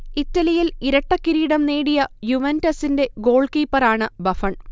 ഇറ്റലിയിൽ ഇരട്ടക്കിരീടം നേടിയ യുവന്റസിന്റെ ഗോൾകീപ്പറാണ് ബഫൺ